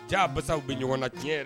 Jaa basaw bɛ ɲɔgɔnna tiɲɛ yɛrɛ